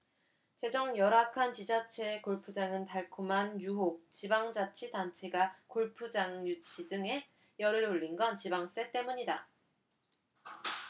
재정 열악한 지자체에 골프장은 달콤한 유혹지방자치단체가 골프장 유치 등에 열을 올린 건 지방세 때문이다